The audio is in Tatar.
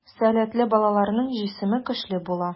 Сәләтле балаларның җисеме көчле була.